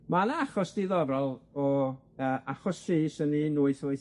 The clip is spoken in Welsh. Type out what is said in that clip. Ma' 'na achos diddorol o yy achos llys yn un wyth wyth